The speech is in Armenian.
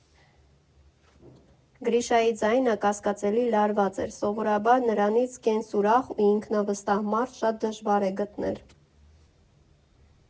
Գրիշայի ձայնը կասկածելի լարված էր՝ սովորաբար նրանից կենսուրախ ու ինքնավստահ մարդ շատ դժվար է գտնել։